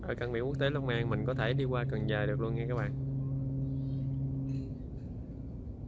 thời trang quốc tế long an mình có thể đi qua cần giờ được luôn nha các bạn